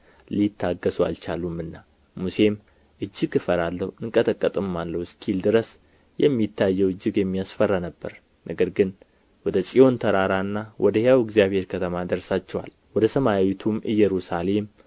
ሊታገሡ አልቻሉምና ሙሴም እጅግ እፈራለሁ እንቀጠቀጥማለሁ እስኪል ድረስ የሚታየው እጅግ የሚያስፈራ ነበር ነገር ግን ወደ ጽዮን ተራራና ወደ ሕያው እግዚአብሔር ከተማ ደርሳችኋል ወደ ሰማያዊቱም ኢየሩሳሌም